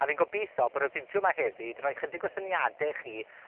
A fi'n gobitho bod y fideo 'ma heddi 'di roi chydig o syniade chi